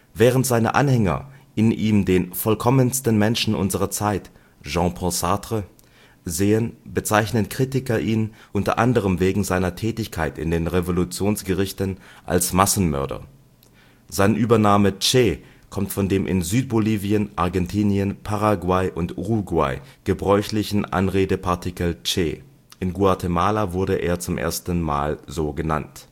Während seine Anhänger in ihm den „ vollkommensten Menschen unserer Zeit “(Jean-Paul Sartre) sehen, bezeichnen Kritiker ihn, unter anderem wegen seiner Tätigkeit in den Revolutionsgerichten, als Massenmörder. Sein Übername Che kommt von dem in Südbolivien, Argentinien, Paraguay und Uruguay gebräuchlichen Anrede-Partikel „ Che “. In Guatemala wurde er zum ersten Mal so genannt